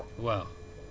Cissé mi nekk Daara